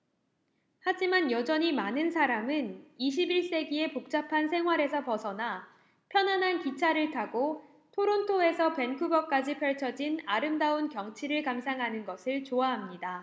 하지만 여전히 많은 사람은 이십 일 세기의 복잡한 생활에서 벗어나 편안한 기차를 타고 토론토에서 밴쿠버까지 펼쳐진 아름다운 경치를 감상하는 것을 좋아합니다